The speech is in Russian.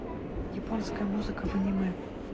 японская музыка из аниме